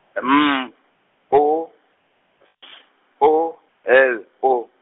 M O K O L O.